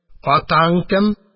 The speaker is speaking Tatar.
Атаң кем?